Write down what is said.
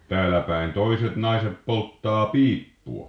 täällä päin toiset naiset polttaa piippua